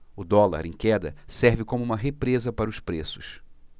o dólar em queda serve como uma represa para os preços